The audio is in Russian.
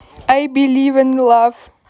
ай беливен лав